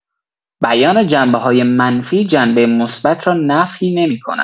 بیان جنبه‌های منفی، جنبه مثبت را نفی نمی‌کند.